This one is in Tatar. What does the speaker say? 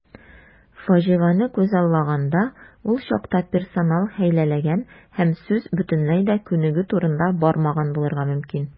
Фаҗигане күзаллаганда, ул чакта персонал хәйләләгән һәм сүз бөтенләй дә күнегү турында бармаган булырга мөмкин.